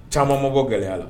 Caman mɔgɔw gɛlɛya la